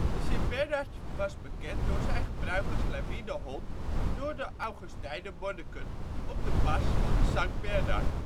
De sint-bernard werd bekend door zijn gebruik als lawinehond door de Augustijner monniken op de pas van de Sankt Bernhard